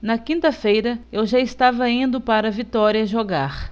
na quinta-feira eu já estava indo para vitória jogar